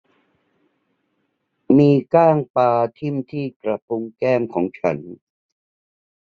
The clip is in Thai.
มีก้างปลาทิ่มที่กระพุ้งแก้มของฉัน